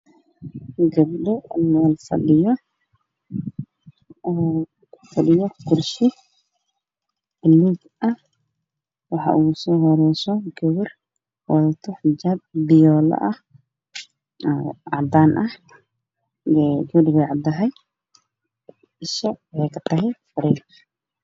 Halkaan waxaa ka muuqdo gabdho qol fadhiyo kuraasta ay ku fadhiyaan waa buluug waxaana u soo horeeyo gabdh wadata hijaab biyoolo ah iyo hijaab madaw ah waxaana miiska u saaran caagad biyo ah